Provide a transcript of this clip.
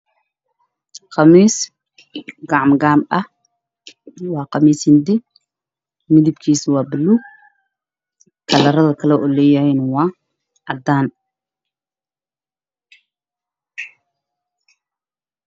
Qamiis gacmo gaab ah waa qamiis hindi midabkiisa waa baluug kalarada kaloo leeyahaya waa cadaan.